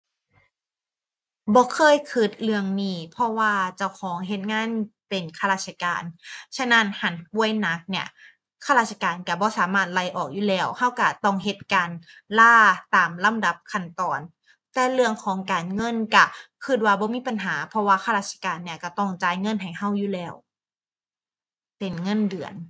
บ่เคยคิดเรื่องนี้เพราะว่าเจ้าของเฮ็ดงานเป็นข้าราชการ ฉะนั้นหั้นป่วยหนักเนี่ยข้าราชการคิดบ่สามารถไล่ออกอยู่แล้ว คิดคิดต้องเฮ็ดการลาตามลำดับขั้นตอน แต่เรื่องของการเงินคิดคิดว่าบ่มีปัญหา เพราะว่าข้าราชการเนี่ยคิดต้องจ่ายเงินให้คิดอยู่แล้วเป็นเงินเดือน